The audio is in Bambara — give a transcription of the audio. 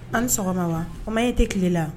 An sɔgɔma wa kuma e tɛ tile la